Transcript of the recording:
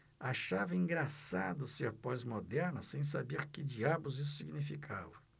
achava engraçado ser pós-moderna sem saber que diabos isso significava